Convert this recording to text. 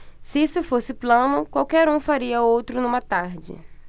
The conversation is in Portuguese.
se isso fosse plano qualquer um faria outro numa tarde